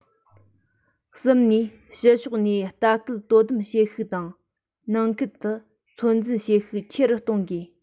གསུམ ནས ཕྱི ཕྱོགས ནས ལྟ སྐུལ དོ དམ བྱེད ཤུགས དང ནང ཁུལ དུ ཚོད འཛིན བྱེད ཤུགས ཆེ རུ གཏོང དགོས